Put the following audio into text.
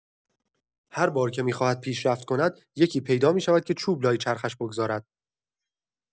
هر بار که می‌خواهد پیشرفت کند، یکی پیدا می‌شود که چوب لای چرخش بگذارد.